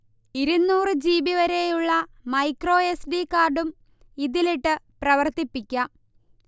ഇരുന്നൂറ് ജിബി വരെയുളള micro S. D. കാർഡും ഇതിലിട്ട് പ്രവർത്തിപ്പിക്കാം